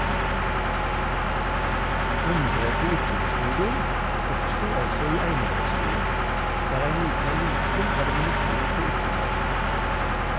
Omgrepet ytringsfridom oppstod altså i einevaldstida, der ein liten elite hadde monopol på ytringar.